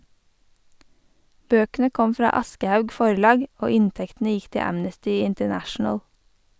Bøkene kom fra Aschehoug Forlag og inntektene gikk til Amnesty International: